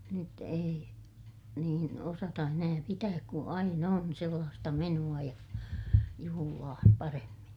nyt ei niin osata enää pitää kun aina on sellaista menoa ja juhlaa paremmin